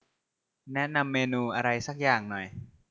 แนะนำเมนูอะไรสักอย่างหน่อย